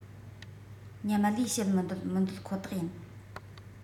མཉམ གླས བྱེད མི འདོད མི འདོད ཁོ ཐག ཡིན